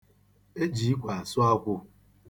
E ji ikwe asụ akwụ.